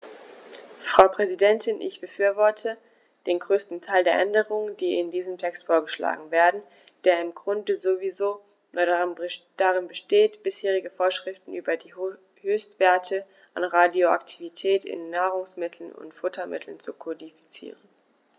Frau Präsidentin, ich befürworte den größten Teil der Änderungen, die in diesem Text vorgeschlagen werden, der im Grunde sowieso nur darin besteht, bisherige Vorschriften über die Höchstwerte an Radioaktivität in Nahrungsmitteln und Futtermitteln zu kodifizieren.